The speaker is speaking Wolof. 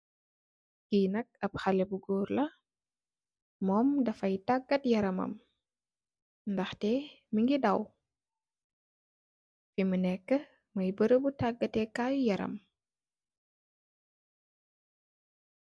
Kee nak ab haleh bu goor la mum dafaye tagat yaramam nahteh muge daw femu neka moye berebou tagateh kaye yaram.